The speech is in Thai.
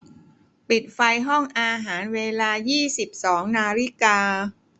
ปิดไฟห้องอาหารเวลายี่สิบสองนาฬิกา